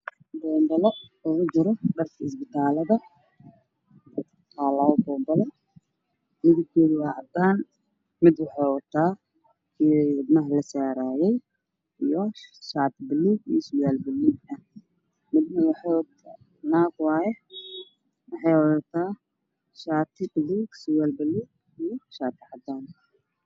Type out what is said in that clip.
Iyo muuqda dharka dhakhaatiirta ah oo kakooban mid dumar ah iyo kuwa rag ah